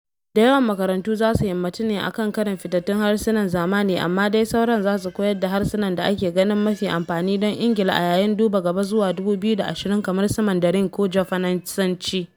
Da yawan makarantu za su himmatu ne a kan karin fitattun harsunan zamani, amma dai sauran za su koyar da harsuna da ake ganin mafi amfani don Ingila a yayin duba gaba zuwa 2020, kamar su Mandarin ko Jafanisanci.